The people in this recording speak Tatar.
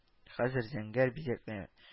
Хәзер зәңгәр бизәкле